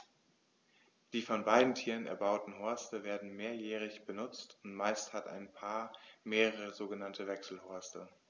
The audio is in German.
Die von beiden Tieren erbauten Horste werden mehrjährig benutzt, und meist hat ein Paar mehrere sogenannte Wechselhorste.